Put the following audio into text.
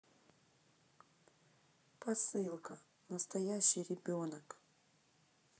посылка настоящий ребенок